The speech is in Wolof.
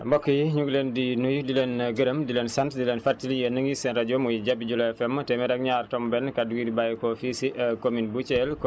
mbokk yi ñu ngi leen di nuyu di leen gërëm di leen sant di leen fàttali yéen a ngi seen rajo muy Jabi jula FM téeméer ak ñaar tomb benn kàddu gi di bàyyeekoo fii si commune bu Thiel